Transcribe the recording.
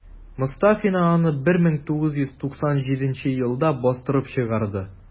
Мостафина аны 1997 елда бастырып чыгарды.